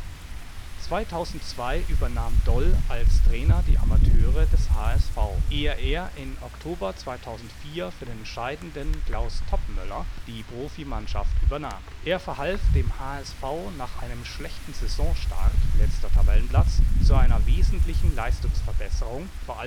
2002 übernahm Doll als Trainer die Amateure des HSV, ehe er im Oktober 2004 für den scheidenden Klaus Toppmöller die Profimannschaft übernahm. Er verhalf dem HSV nach einem schlechten Saisonstart (letzter Tabellenplatz) zu einer wesentlichen Leistungsverbesserung, vor